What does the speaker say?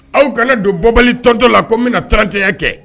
Aw kɛlen don bɔbali tɔntɔ la ko bɛna na taatɛya kɛ